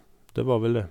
Det var vel det.